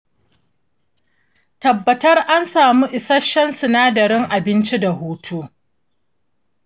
tabbatar an samu isasshen sinadari-abinci da hutu